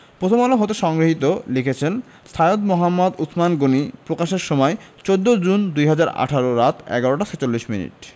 প্রথমআলো হতে সংগৃহীত লিখেছেন শাঈখ মুহাম্মদ উছমান গনী প্রকাশের সময় ১৪ জুন ২০১৮ রাত ১১টা ৪৬ মিনিট